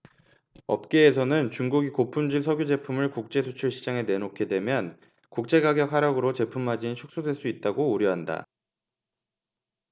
업계에서는 중국이 고품질 석유 제품을 국제 수출 시장에 내놓게 되면 국제가격 하락으로 제품 마진이 축소될 수 있다고 우려한다